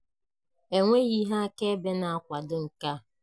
E nweghị ihe akaebe na-akwado nke a.